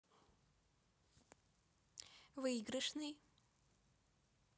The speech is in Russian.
выигрышный